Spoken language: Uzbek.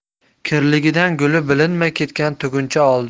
kirligidan guli bilinmay ketgan tuguncha oldi